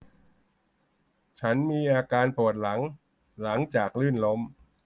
ฉันมีอาการปวดหลังหลังจากลื่นล้ม